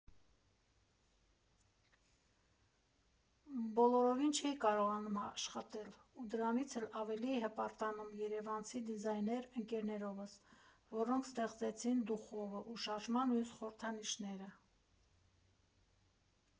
Բոլորովին չէի կարողանում աշխատել, ու դրանից էլ ավելի էի հպարտանում երևանցի դիզայներ ընկերներովս, որոնք ստեղծեցին «դուխովը» ու շարժման մյուս խորհրդանիշները։